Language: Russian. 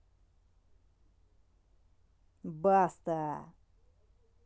баста